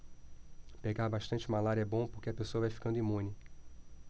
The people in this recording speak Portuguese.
pegar bastante malária é bom porque a pessoa vai ficando imune